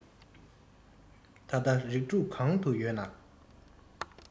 ད ལྟ རིགས དྲུག གང དུ ཡོད ན